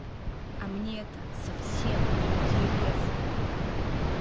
а мне это совсем не интересно